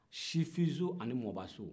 sifinso ani mɔɔbaso